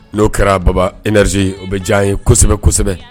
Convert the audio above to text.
N'o kɛra baba énergie o bɛ diya an ye kosɛbɛ kosɛbɛ